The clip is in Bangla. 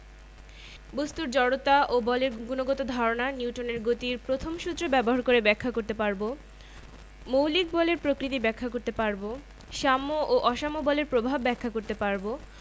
বস্তুর জড়তা ও বলের গুণগত ধারণা নিউটনের গতির প্রথম সূত্র ব্যবহার করে ব্যাখ্যা করতে পারব মৌলিক বলের প্রকৃতি ব্যাখ্যা করতে পারব সাম্য ও অসাম্য বলের প্রভাব ব্যাখ্যা করতে পারব